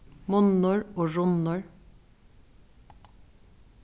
munnur og runnur